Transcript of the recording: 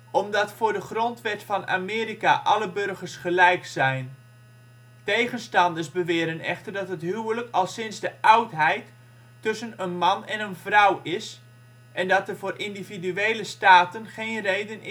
omdat voor de Grondwet van Amerika alle burgers gelijk zijn. Tegenstanders beweren echter dat het huwelijk al sinds de oudheid tussen een man en een vrouw is, en dat er voor individuele staten geen reden